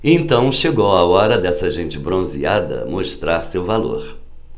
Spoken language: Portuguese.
então chegou a hora desta gente bronzeada mostrar seu valor